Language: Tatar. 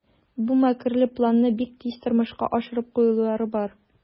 Бу мәкерле планны бик тиз тормышка ашырып куюлары бар.